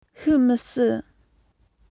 ཤི མི སྲིད